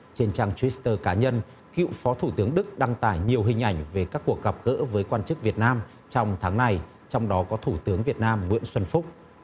trên trang truýt tơ cá nhân cựu phó thủ tướng đức đăng tải nhiều hình ảnh về các cuộc gặp gỡ với quan chức việt nam trong tháng này trong đó có thủ tướng việt nam nguyễn xuân phúc